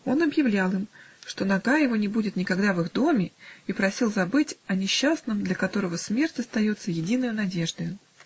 Он объявлял им, что нога его не будет никогда в их доме, и просил забыть о несчастном, для которого смерть остается единою надеждою.